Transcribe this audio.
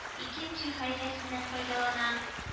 Икенче хәйләсеннән файдалана: